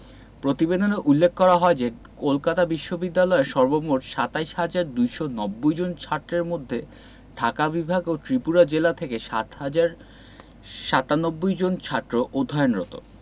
প্রতিবেদনে উল্লেখ করা হয় যে কলকাতা বিশ্ববিদ্যালয়ের সর্বমোট ২৭ হাজার ২৯০ জন ছাত্রের মধ্যে ঢাকা বিভাগ ও ত্রিপুরা জেলা থেকে ৭ হাজার ৯৭ জন ছাত্র অধ্যয়নরত